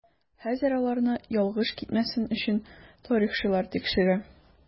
Хәзер аларны ялгыш китмәсен өчен тарихчылар тикшерә.